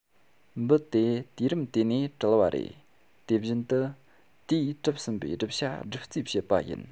འབུ དེ དུས རིམ དེ ནས བྲལ བ རེད དེ བཞིན དུ དེས གྲུབ ཟིན པའི སྒྲུབ བྱ སྒྲུབ རྩིས བྱེད པ ཡིན